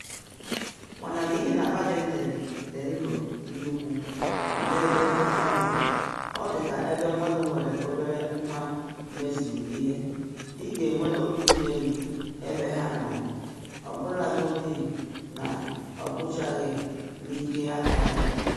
“Mana n’ihi Paddington dị ndụ nnukwu n’ebe ọ nọ, ọ dị ka ebe mmadụ nwere obere nwa mezuru ihe: ị ga-enwe obi dị elu ebe ha nọ ọbụlagodi na ọ bụchaghị n’ike aka gị.